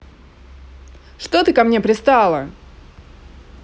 что ты ко мне пристала